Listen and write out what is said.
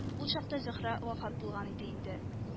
Ул чакта зөһрә вафат булган иде инде